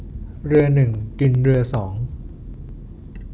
เรือหนึ่งกินเรือสอง